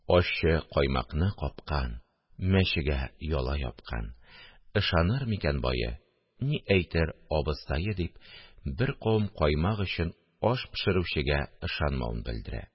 Ашчы каймакны капкан, Мәчегә яла япкан! Ышаныр микән бае, Ни әйтер абыстае? – дип, бер кабым каймак өчен аш пешерүчегә ышанмавын белдерә